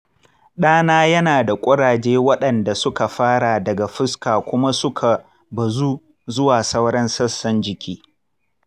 ɗana yana da ƙuraje waɗanda suka fara daga fuska kuma suka bazu zuwa sauran sassan jiki.